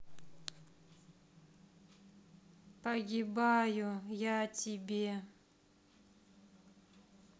погибаю я тебе